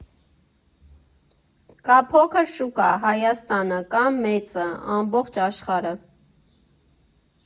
Կա փոքր շուկա՝ Հայաստանը, կա մեծը՝ ամբողջ աշխարհը։